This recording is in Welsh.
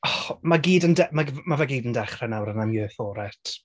Mae gyd yn de- ma' g- ma' fe i gyd yn dechrau nawr, and I'm here for it.